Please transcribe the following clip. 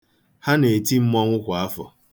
Ha na-eti mmọnwụ kwa afọ.